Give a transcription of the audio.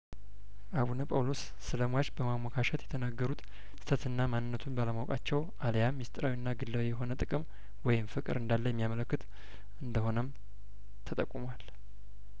አቡነ ጳውሎስ ስለሟች በማሞካሸት የተነገሩት ስህተትና ማንነቱን ባለማወቃቸው አልያም ምስጢራዊና ግላዊ የሆነ ጥቅም ወይም ፍቅር እንዳለ የሚያመለክት እንደሆነም ተጠቁሟል